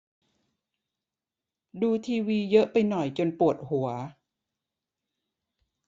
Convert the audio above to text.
ดูทีวีเยอะไปหน่อยจนปวดหัว